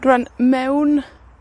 Rŵan, mewn